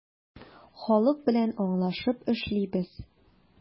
Халык белән аңлашып эшлибез.